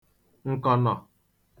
ǹkọ̀nọ̀